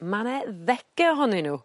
ma' 'ne ddege ohonyn n'w